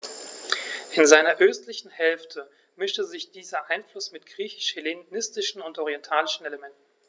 In seiner östlichen Hälfte mischte sich dieser Einfluss mit griechisch-hellenistischen und orientalischen Elementen.